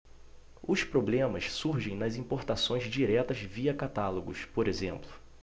os problemas surgem nas importações diretas via catálogos por exemplo